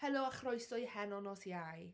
Helo a chroeso i Heno nos Iau.